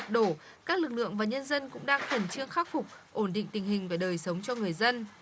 đổ các lực lượng và nhân dân cũng đang khẩn trương khắc phục ổn định tình hình về đời sống cho người dân